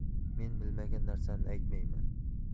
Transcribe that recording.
men bilmagan narsamni aytmayman